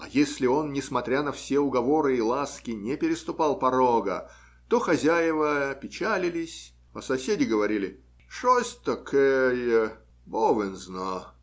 а если он, несмотря на все уговоры и ласки, не переступал порога, то хозяева печалились, а соседи говорили - Шось такэ е! Бо вин зна!